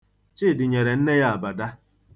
Chidi nyere nne ya abada.